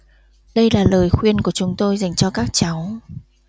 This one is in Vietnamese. đây là lời khuyên của chúng tôi dành cho các cháu